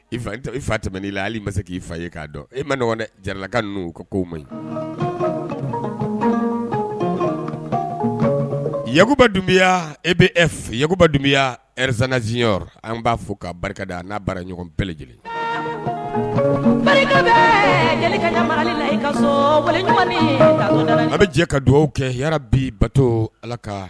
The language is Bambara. I fa tɛmɛ' la ma se k'i fa'a dɔn e ma jaralaka ninnu ka ko ma ɲikuba dunbiya e bɛ e fɛkuba dunbiya zzy an b'a fɔ ka barika da n'a bara ɲɔgɔn bɛɛlɛ lajɛlen bɛ jɛ ka dugawu kɛ bi bato ala ka